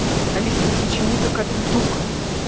алиса а ты почему такая тутука